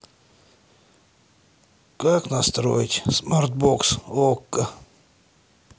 как настраивать смартбокс окко